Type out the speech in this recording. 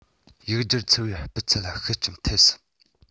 ཡིག སྒྱུར ཚར བའི སྤུས ཚད ལ ཤུགས རྐྱེན ཐེབས སྲིད